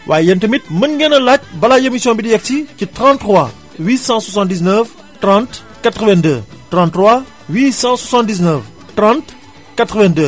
waaye yéen tamit mën ngeen a laaj balaay émission bi di yegsi ci 33 879 30 82 33 879 30 82